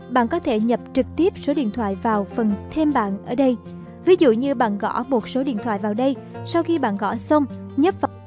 bạn có thể nhập trực tiếp số điện thoại vào phần thêm bạn ở đây ví dụ như bạn gõ số điện thoại vào đây sau khi bạn gõ xong nhấp vào